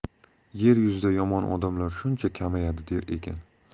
yer yuzida yomon odamlar shuncha kamayadi der ekan